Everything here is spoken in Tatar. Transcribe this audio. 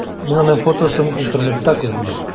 Мин аның фотосын интернетта күрдем.